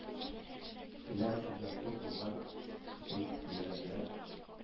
Келәм хуҗасы булган әлкилеләрдән